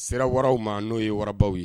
Sira wararaww ma n'o ye wararaw ye